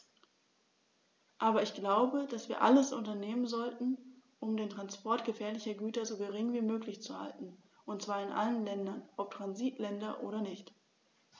Aber ich glaube, dass wir alles unternehmen sollten, um den Transport gefährlicher Güter so gering wie möglich zu halten, und zwar in allen Ländern, ob Transitländer oder nicht.